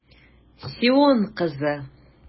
Сион кызы!